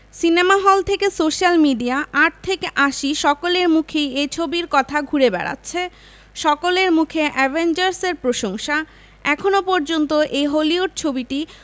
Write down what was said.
cinema hall থেকে social media আট থেকে আশি সকলের মুখেই এই ছবির কথা ঘুরে বেড়াচ্ছে সকলের মুখে অ্যাভেঞ্জার্স এর প্রশংসা এখনও পর্যন্ত এই হলিউড ছবিটি